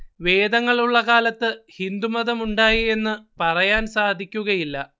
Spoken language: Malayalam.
വേദങ്ങൾ ഉള്ള കാലത്ത് ഹിന്ദു മതം ഉണ്ടായി എന്ന് പറയാൻ സാധക്കുകയില്ല